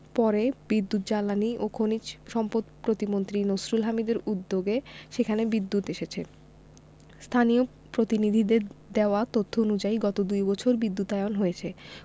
পরে বিদ্যুৎ জ্বালানি ও খনিজ সম্পদ প্রতিমন্ত্রী নসরুল হামিদদের উদ্যোগে সেখানে বিদ্যুৎ এসেছে স্থানীয় জনপ্রতিনিধিদের দেওয়া তথ্য অনুযায়ী গত দুই বছরে বিদ্যুতায়ন হয়েছে